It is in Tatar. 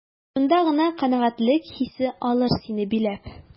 Шунда гына канәгатьлек хисе алыр сине биләп.